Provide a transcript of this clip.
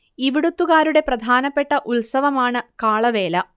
ഇവിടുത്തുകാരുടെ പ്രധാനപ്പെട്ട ഉത്സവം ആണ് കാളവേല